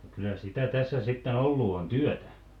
kyllä sitä tässä sitten ollut on työtä